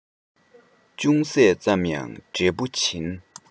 ཅུང ཟད ཙམ ལའང འབྲས བུ འབྱིན